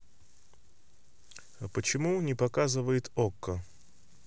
почему не показывает окко